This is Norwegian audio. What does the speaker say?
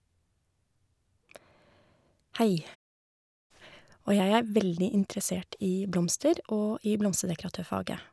Hei, Og jeg er veldig interessert i blomster og i blomsterdekoratørfaget.